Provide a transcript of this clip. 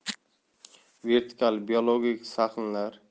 vertikal biologik sahnlar